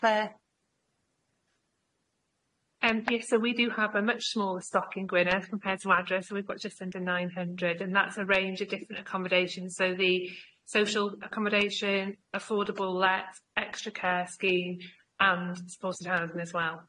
Clare. Yym ie so we do have a much smaller stock in Gwynedd compared to Adra so we've got just under nine hundred and that's a range of different accommodations so the social accommodation, affordable let, extra care scheme and supported housing as well.